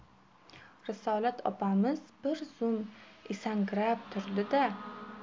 risolat opamiz bir zum esankirab turdi da